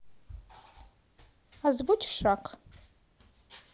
озвучь шаг